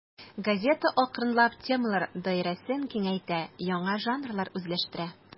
Газета акрынлап темалар даирәсен киңәйтә, яңа жанрларны үзләштерә.